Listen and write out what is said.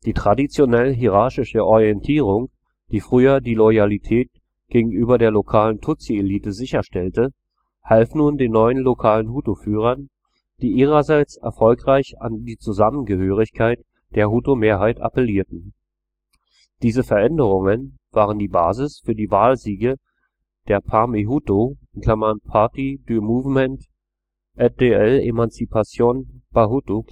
traditionell hierarchische Orientierung, die früher die Loyalität gegenüber der lokalen Tutsi-Elite sicherstellte, half nun den neuen lokalen Hutu-Führern, die ihrerseits erfolgreich an die Zusammengehörigkeit der Hutu-Mehrheit appellierten. Diese Veränderungen waren die Basis für die Wahlsiege der Parmehutu (Parti du Mouvement et de l’ Emancipation Bahutu